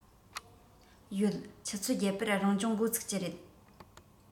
ཡོད ཆུ ཚོད བརྒྱད པར རང སྦྱོང འགོ ཚུགས ཀྱི རེད